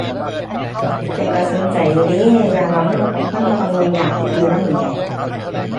เป็นตาสนใจอยู่เดะ ญ้อนว่ามันบ่ มันบ่ต้องยุ่งยากผู้อื่นนำนี่แหละ